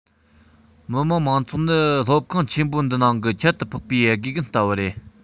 མི དམངས མང ཚོགས ནི སློབ ཁང ཆེན པོ འདི ནང གི ཁྱད དུ འཕགས པའི དགེ རྒན ལྟ བུ རེད